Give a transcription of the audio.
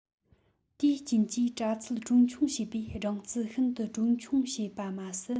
དེའི རྐྱེན གྱིས པྲ ཚིལ གྲོན ཆུང བྱས པས སྦྲང རྩི ཤིན ཏུ གྲོན ཆུང བྱས པ མ ཟད